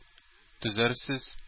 Төзәрсез